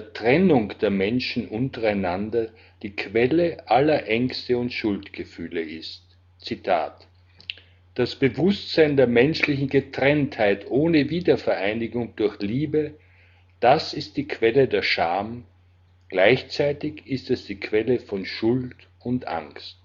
Trennung der Menschen untereinander die Quelle aller Ängste und Schuldgefühle ist: „ Das Bewußtsein der menschlichen Getrenntheit ohne Wiedervereinigung durch Liebe - das ist die Quelle der Scham. Gleichzeitig ist es die Quelle von Schuld und Angst